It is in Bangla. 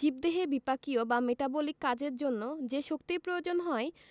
জীবদেহে বিপাকীয় বা মেটাবলিক কাজের জন্য যে শক্তির প্রয়োজন হয়